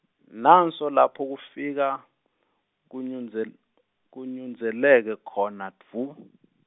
nanso lapha kufika kunyundzel- kunyundzeleke khona dvu.